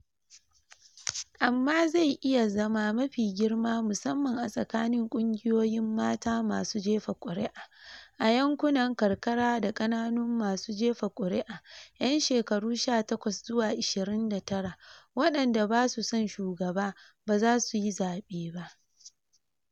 Amma zai iya zama mafi girma, musamman a tsakanin kungiyoyin mata masu jefa kuri'a, a yankunan karkara da kananun masu jefa kuri'a, 'yan shekaru 18 zuwa 29, waɗanda ba su son shugaba, ba za su yi zabe ba."